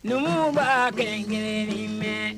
Ninnu b'a kelen kelenin mɛn